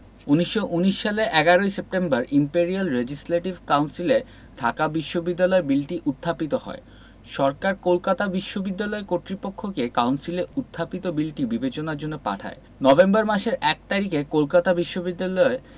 ১৯১৯ সালের ১১ September imperial legislative কাউন্সিলে ঢাকা বিশ্ববিদ্যালয় বিলটি উত্থাপিত হয় সরকার কলকাতা বিশ্ববিদ্যালয় কর্তৃপক্ষকে কাউন্সিলে উত্থাপিত বিলটি বিবেচনার জন্য পাঠায় নভেম্বর মাসের ১ তারিখে কলকাতা বিশ্ববিদ্যালয়